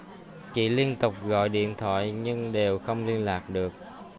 chị liên tục gọi điện thoại nhưng đều không liên lạc được